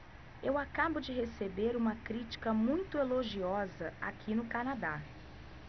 eu acabo de receber uma crítica muito elogiosa aqui no canadá